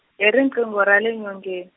i riqingo ra le nyongeni.